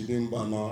Bana